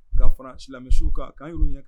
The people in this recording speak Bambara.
Ka fara silamɛsuw kan k'an yɛr'u ɲɛ